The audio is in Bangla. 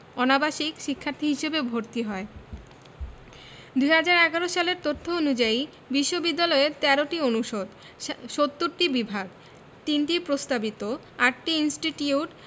অনাবাসিক শিক্ষার্থী হিসেবে ভর্তি হয় ২০১১ সালের তথ্য অনুযায়ী বিশ্ববিদ্যালয়ে ১৩টি অনুষদ ৭০টি বিভাগ ৩টি প্রস্তাবিত ৮টি ইনস্টিটিউট